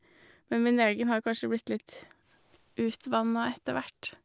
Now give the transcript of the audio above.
Men min egen har kanskje blitt litt utvanna etter hvert.